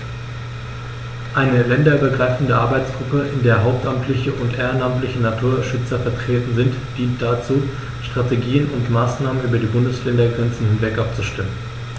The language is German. Eine länderübergreifende Arbeitsgruppe, in der hauptamtliche und ehrenamtliche Naturschützer vertreten sind, dient dazu, Strategien und Maßnahmen über die Bundesländergrenzen hinweg abzustimmen.